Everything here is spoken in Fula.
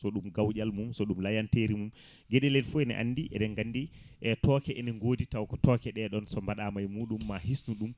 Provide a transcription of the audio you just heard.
so ɗum gaƴal mum so ɗum gawƴal mum so ɗum layenteri mum gueɗel hen foof ne andi eɗen gandi e tooke ene godi taw taw ko tooke ɗeɗon so mbɗama e muɗum ma hissnu ɗum